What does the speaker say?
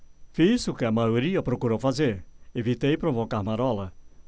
fiz o que a maioria procurou fazer evitei provocar marola